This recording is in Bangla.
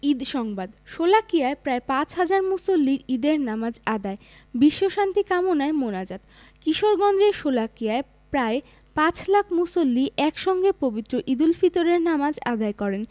ঈদ সংবাদ শোলাকিয়ায় প্রায় পাঁচ লাখ মুসল্লির ঈদের নামাজ আদায় বিশ্বশান্তি কামনায় মোনাজাত কিশোরগঞ্জের শোলাকিয়ায় প্রায় পাঁচ লাখ মুসল্লি একসঙ্গে পবিত্র ঈদুল ফিতরের নামাজ আদায় করেন